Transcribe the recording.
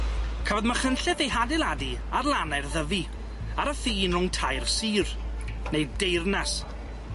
Cafodd Machynlleth ei hadeiladu ar lannau'r Ddyfi ar y ffin rwng tair sir, neu deyrnas.